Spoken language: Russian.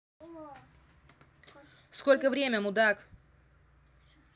сколько время мудак